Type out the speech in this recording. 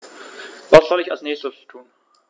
Was soll ich als Nächstes tun?